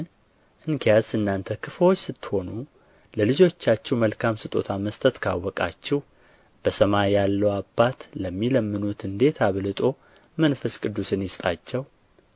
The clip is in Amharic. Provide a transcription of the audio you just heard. እንኪያስ እናንተ ክፉዎች ስትሆኑ ለልጆቻችሁ መልካም ስጦታ መስጠት ካወቃችሁ በሰማይ ያለው አባት ለሚለምኑት እንዴት አብልጦ መንፈስ ቅዱስን ይሰጣቸው